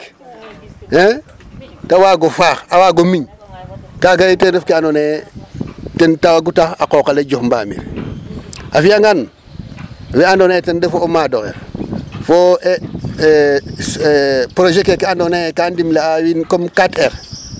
Hee ta waag o faax, a waago miñ kaaga it ten refu ke andoona yee ten waagu tax a qooq ale jof mbamir a fi'angan we andoona yee ten refu o maad oxe fo e projet keeke andoona yee ka ndimle'aa wiin comme 4R.